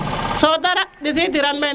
so dara ɓisi diral men